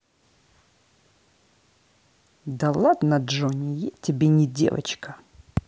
да ладно джонни я тебе не девочка